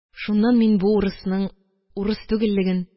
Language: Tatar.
Шуннан мин бу урысның урыс түгеллеген,